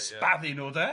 neu sbaddu n'w, 'de?